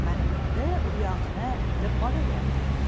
mana eni buyog'ini bilib olaver